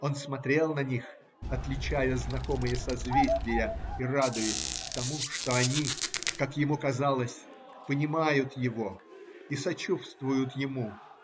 Он смотрел на них, отличая знакомые созвездия и радуясь тому, что они, как ему казалось, понимают его и сочувствуют ему.